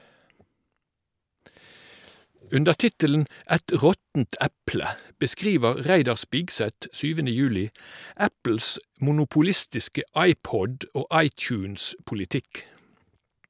Under tittelen "Et råttent eple" beskriver Reidar Spigseth 7. juli Apples monopolistiske iPod- og iTunes-politikk.